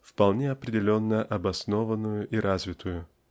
вполне определенно обоснованную и развитую.